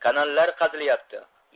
kanallar qazilyapti